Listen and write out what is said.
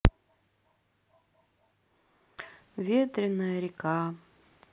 ветреная река